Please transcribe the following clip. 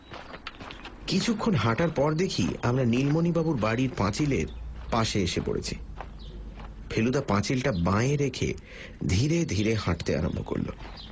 কিছুক্ষণ হাঁটার পরে দেখি আমরা নীলমণিবাবুর বাড়ির পাঁচিলের পাশে এসে পড়েছি ফেলুদা পাঁচিলটা বাঁয়ে রেখে ধীরে ধীরে হাঁটতে আরম্ভ করল